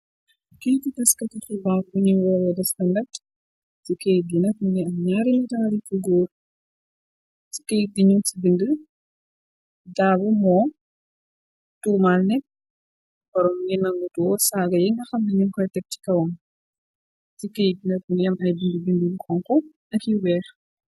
Kaytu taskati xibaar buñuy woowe de standard, ci keyit ngi ak mingi am ñaari netaali ku góor, ci keyit ngi ñu ci binde Daabu moo tuumal ne Barrow mingi ngutuo saaga yi nga xamne ñun koy tek si kawam, si keyit nak mingi am ay binde, binde yu xonxu ak yu weex